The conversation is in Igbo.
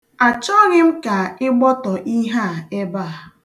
Achọghị m ka ị gbọtọ ihe a ebe a.